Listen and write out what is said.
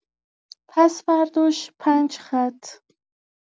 پس‌فرداش پنج خط.